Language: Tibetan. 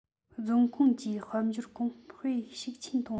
རྫོང ཁོངས ཀྱི དཔལ འབྱོར གོང སྤེལ ཤུགས ཆེན གཏོང བ